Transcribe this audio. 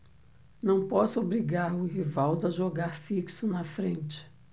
não posso obrigar o rivaldo a jogar fixo na frente